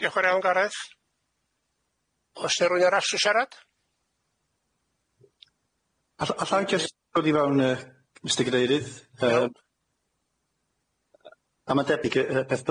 Diolch'n fawr iawn Gareth.